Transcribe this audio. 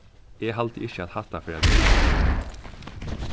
eg haldi ikki at hatta fer at rigga